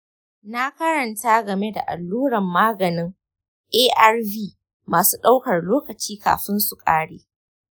na karanta game da alluran maganin arv masu ɗaukar lokaci kafin su ƙare.